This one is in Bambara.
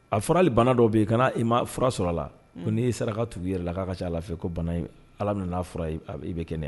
A fɔra hali bana dɔw bɛ yen kana i ma fura sɔrɔ a la, ko n'i ye saraka tugu i yɛrɛ la k'a ka ca Ala fɛ ko bana in Ala bɛ na n'a fura ye i bɛ kɛnɛya